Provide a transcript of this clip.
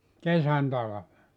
kesän talvet